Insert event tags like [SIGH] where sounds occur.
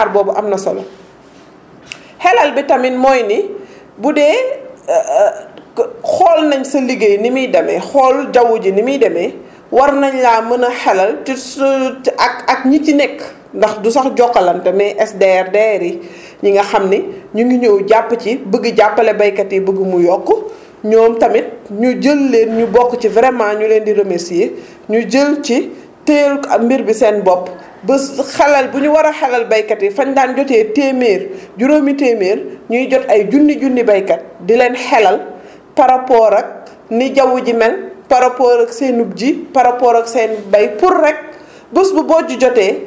xelal bi tamit mooy ni bu dee [HESITATION] ku xool nañ sa liggéey ni muy demee xool jaww ji ni muy demee war nañ laa mën a xelal te soo ak ak éni ci nekk ndax du sax Jokalante mais SDRDR yi ñi nga xam ni ñu ngi ñëw jàpp ci bëgg jàppale béykat yi bëgg mu yokk ñoom tamit ñu jël leen ñu bokk ci vraiment ñu leen di remercié [BREATH] ñu jël ci téel mbir bi seen bopp ba xelal bu ñu war a xelal béykat yi fañ daan jotee téeméer [BREATH] juróomi téeméer ñuy jot ay junni junni béykat di leen xelal par rapport ak ni jaww ji mel par rapport ak seenug ji par rapport ak seen béy pour rek [BREATH] bés bu bojj jotee nga mën see gis sa bopp